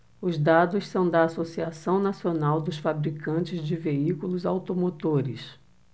os dados são da anfavea associação nacional dos fabricantes de veículos automotores